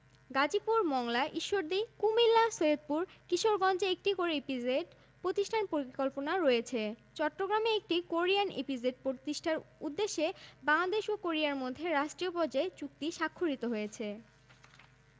গাজীপুর মংলা ঈশ্বরদী কুমিল্লা সৈয়দপুর ও সিরাজগঞ্জে একটি করে ইপিজেড প্রতিষ্ঠার পরিকল্পনা রয়েছে চট্টগ্রামে একটি কোরিয়ান ইপিজেড প্রতিষ্ঠার উদ্দেশ্যে বাংলাদেশ ও কোরিয়ার মধ্যে রাষ্ট্রীয় পর্যায়ে চুক্তি স্বাক্ষরিত হয়েছে